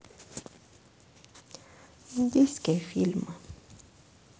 индийские фильмы